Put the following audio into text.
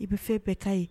I bɛ fɛn bɛɛta ye